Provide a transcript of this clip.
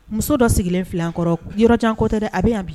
Muso dɔ sigilen wolonwulakɔrɔ yɔrɔjan kɔtɛ dɛ a bɛ na bi